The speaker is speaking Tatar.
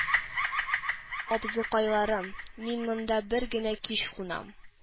– абзыкайларым, мин монда бер генә кич кунам